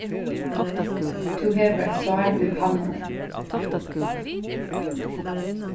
tú hevur eitt sár í pannuni